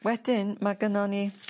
wedyn ma' gynnon ni